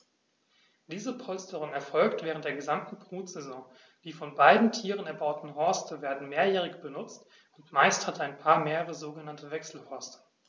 Diese Polsterung erfolgt während der gesamten Brutsaison. Die von beiden Tieren erbauten Horste werden mehrjährig benutzt, und meist hat ein Paar mehrere sogenannte Wechselhorste.